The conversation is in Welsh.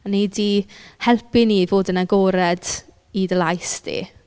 Wnei di helpu ni i fod yn agored i dy lais di.